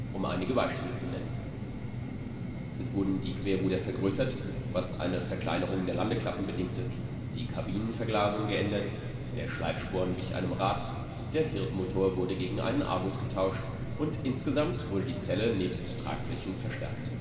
Um einige Beispiele zu nennen: Es wurden die Querruder vergrößert, was eine Verkleinerung der Landeklappen bedingte, die Kabinenverglasung geändert, der Schleifsporn wich einem Rad, der Hirth Motor wurde gegen einen Argus getauscht und insgesamt wurde die Zelle nebst Tragflächen verstärkt